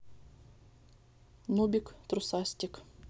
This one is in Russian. нубик трусастик